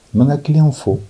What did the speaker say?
N bɛ ka clients fɔ.